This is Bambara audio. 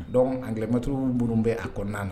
Donc anglais maîtres minnu bɛ a kɔnɔna na.